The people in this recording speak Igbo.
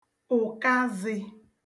ụ̀kazị̄